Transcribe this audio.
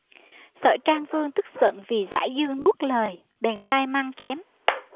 sở trang vương tức giận vì giải dương nuốt lời bèn sai mang chém